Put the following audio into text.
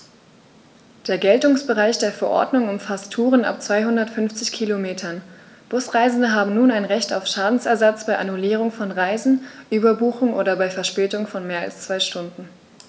Der Geltungsbereich der Verordnung umfasst Touren ab 250 Kilometern, Busreisende haben nun ein Recht auf Schadensersatz bei Annullierung von Reisen, Überbuchung oder bei Verspätung von mehr als zwei Stunden.